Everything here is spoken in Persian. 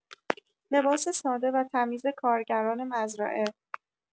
لباس ساده و تمیز کارگران مزرعه